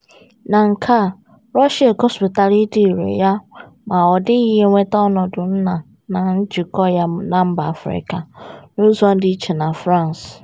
Na nke a, Russia egosịpụtala ịdị irè ya ma ọ dịghị eweta ọnọdụ nna na njikọ ya na mba Afrịka, n'ụzọ dị iche na France.